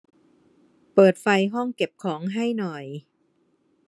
เปิดไฟห้องเก็บของให้หน่อย